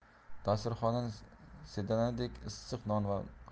dasturxondan sedanalik issiq non